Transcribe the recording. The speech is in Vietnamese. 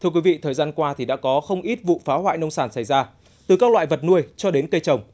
thưa quý vị thời gian qua thì đã có không ít vụ phá hoại nông sản xảy ra từ các loại vật nuôi cho đến cây trồng